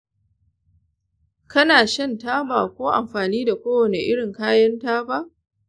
kana shan taba ko amfani da kowane irin kayan taba?